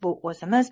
bu o'zimiz